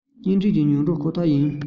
བརྙན འཕྲིན ཞིག ཉོ འགྲོ ཁོ ཐག ཡིན